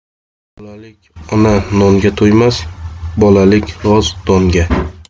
bolalik ona nonga to'ymas bolalik g'oz donga